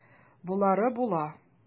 Болары була.